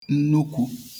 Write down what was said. nnukwū